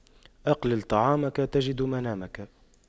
أقلل طعامك تجد منامك